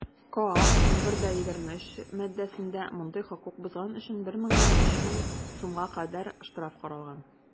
КоАП 11.23 маддәсендә мондый хокук бозган өчен 1 меңнән 3 мең сумга кадәр штраф каралган.